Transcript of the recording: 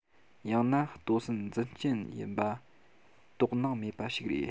ཡང ན ལྟོ ཟན འཛིན སྤྱད ཡིན པ དོགས སྣང མེད པ ཞིག རེད